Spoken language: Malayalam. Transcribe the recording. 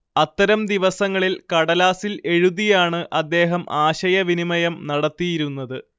അത്തരം ദിവസങ്ങളിൽ കടലാസിൽ എഴുതിയാണ് അദ്ദേഹം ആശയവിനിമയം നടത്തിയിരുന്നത്